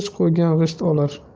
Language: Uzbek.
g'isht qo'ygan g'isht olar